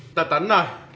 tờ tỉnh rồi